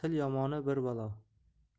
til yomoni bir balo